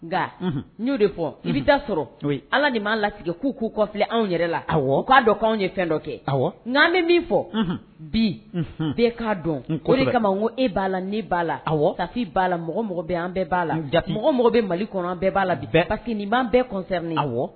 Nka n'o de fɔ i bɛ da sɔrɔ to ala ni b'a latigɛ k' k'u kɔfi anw yɛrɛ la ka k'a dɔn anw ye fɛn dɔ kɛ aw n' an bɛ min fɔ bi bɛɛ k'a dɔn ko kama ko e b'a la b baa la aw ka b' la mɔgɔ mɔgɔ bɛ an bɛɛ b'a la mɔgɔ mɔgɔ bɛ mali kɔnɔ bɛɛ b'a la bɛɛ bak b'an bɛɛ wa